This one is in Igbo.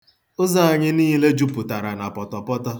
Ụzọ anyị niile jupụtara na pọtọpọtọ.